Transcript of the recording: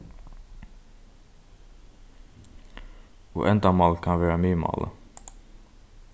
og endamálið kann vera miðmáli